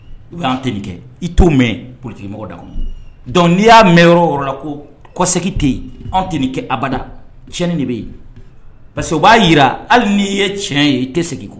ou bien a tɛ nin kɛ, i t'o mɛn potigimɔgɔ da kɔnɔ donc n'i y'a mɛn yɔrɔ o yɔrɔ la, ko kɔsigin tɛ yen ,anw tɛ nin kɛ abada tiɲɛnin de bɛ yen parce que u b'a jira hali n'i ye tiɲɛ ye i tɛ segin i kɔ!